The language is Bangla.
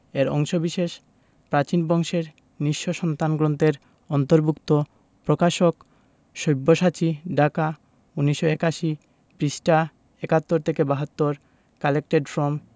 এর অংশবিশেষ প্রাচীন বংশের নিঃস্ব সন্তান গ্রন্থের অন্তর্ভুক্ত প্রকাশকঃ সব্যসাচী ঢাকা ১৯৮১ পৃষ্ঠাঃ ৭১ থেকে ৭২ কালেক্টেড ফ্রম